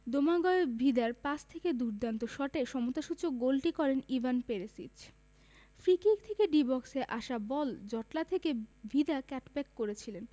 Domagoj ভিদার pass থেকে দুর্দান্ত শটে সমতাসূচক গোলটি করেন ইভান পেরিসিচ ফ্রিকিক থেকে ডি বক্সে আসা বল জটলা থেকে ভিদা কাটব্যাক করেছিলেন